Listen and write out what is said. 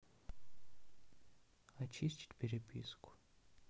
очистить переписку